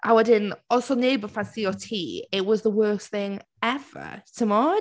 A wedyn os oedd neb yn ffansïo ti, it was the worst thing ever, timod?